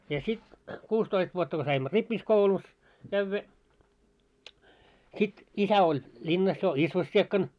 ja sitten kuusitoista vuotta kun saimme rippikoulussa käydä sitten isä oli linnassa jo isvossikkana